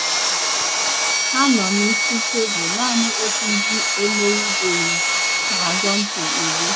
Ugbu a ha nọ n’isi tebul, naanị otu ndị emeribeghị n’asọmpi iri.